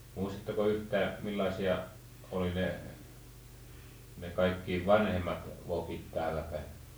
muistatteko yhtään millaisia oli ne ne kaikkein vanhemmat vokit täällä päin